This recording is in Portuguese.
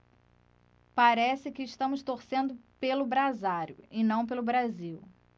parece que estamos torcendo pelo brasário e não pelo brasil